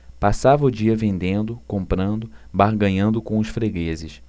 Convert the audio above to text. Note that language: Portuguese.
passava o dia vendendo comprando barganhando com os fregueses